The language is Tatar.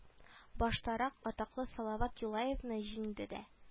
Баштарак атаклы салават юлаевны җиңде дә